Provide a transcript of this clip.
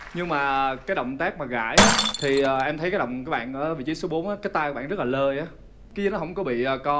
nhưng mà cái động tác mà gãi á thì em thấy cái động của bạn ở vị trí số bốn cái tay bạn rất là lơi ấy kia nó hổng có bị co